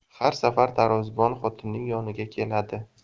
har safar tarozibon xotinning yoniga keladi